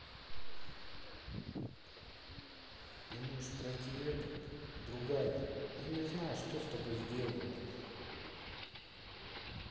не поможешь пройти этот другая я не знаю что с тобой сделала